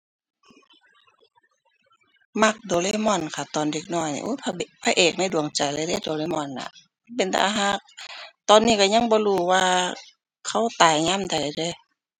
มัก Doraemon ค่ะตอนเด็กน้อย โอ๊ พระเบก พระเอกในดวงใจเลยเดะ Doraemon น่ะ เป็นตารัก ตอนนี้รักยังบ่รู้ว่าเขาตายยามใดเดะ